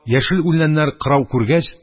Яшел үләннәр кырау күргәч,